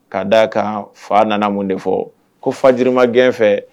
Ka d'a kan fa nana mun de fɔ ko fajiri magɛn fɛ